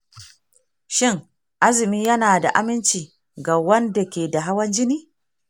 shin, azumi yana da aminci ga wanda ke da hawan jini?